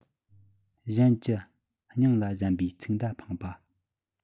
གཞན གྱི སྙིང ལ གཟན པའི ཚིག མདའ འཕངས པ